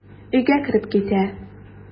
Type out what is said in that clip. Өйгә кереп китә.